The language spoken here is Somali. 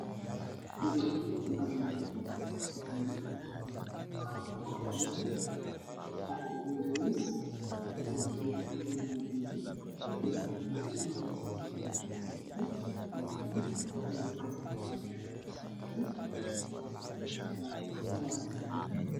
Waa gabdho baranayo caafimaad waxaa horyaala miis gacantana waxay kuhayaan buug iyo qalin.